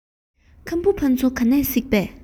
ཁམ བུ ཕ ཚོ ག ནས གཟིགས པ